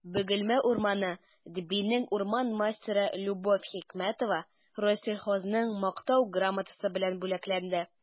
«бөгелмә урманы» дбинең урман мастеры любовь хикмәтова рослесхозның мактау грамотасы белән бүләкләнде